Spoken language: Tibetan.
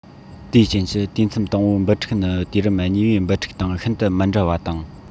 དེའི རྐྱེན གྱིས དུས མཚམས དང པོའི འབུ ཕྲུག ནི དུས རིམ གཉིས པའི འབུ ཕྲུག དང ཤིན ཏུ མི འདྲ བ དང